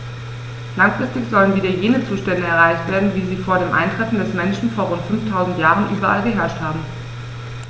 Langfristig sollen wieder jene Zustände erreicht werden, wie sie vor dem Eintreffen des Menschen vor rund 5000 Jahren überall geherrscht haben.